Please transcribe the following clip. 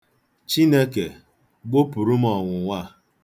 Chineke, gbopụrụ m ọnwụnwa a.